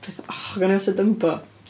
Och, gewn ni watshiad Dumbo?